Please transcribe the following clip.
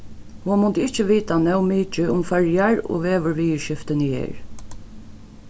hon mundi ikki vita nóg mikið um føroyar og veðurviðurskiftini her